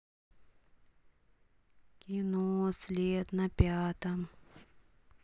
кино след на пятом